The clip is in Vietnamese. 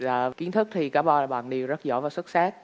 là kiến thức thì cả ba bạn đều rất giỏi và xuất sát